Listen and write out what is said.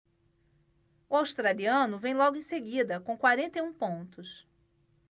o australiano vem logo em seguida com quarenta e um pontos